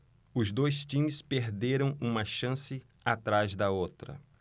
os dois times perderam uma chance atrás da outra